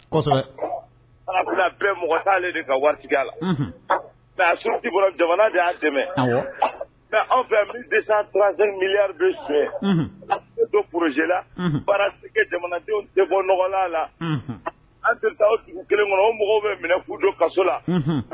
Bɛɛ mɔgɔale de waati la ya dɛmɛ fɛ sɛjɛela jamanaden tɛ bɔ la an tɛ taa dugu kelen kɔnɔ o mɔgɔw bɛ minɛ' don kaso la